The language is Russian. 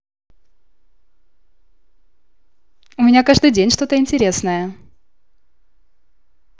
у меня каждый день что то интересное